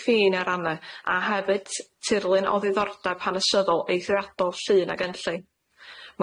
ffin a ranne a hefyd tirlun o ddiddordab hanesyddol eithriadol llun ag enlli.